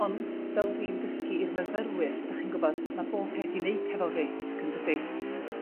Ont fel dwi'n dysgu i'r myrfyrwyr 'dach chi'n gwbod ma' bob peth i neud hefo risg yndydi?